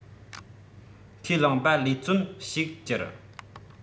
ཁས བླངས པ ལས བརྩོན ཕྱུག འགྱུར